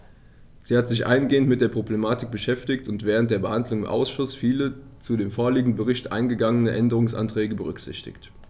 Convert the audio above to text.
Sie hat sich eingehend mit der Problematik beschäftigt und während der Behandlung im Ausschuss viele zu dem vorliegenden Bericht eingegangene Änderungsanträge berücksichtigt.